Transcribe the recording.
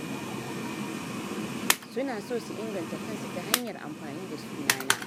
“Su na so su inganta kansu ta hanyar amfani da suna na.